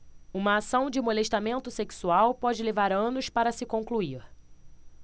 uma ação de molestamento sexual pode levar anos para se concluir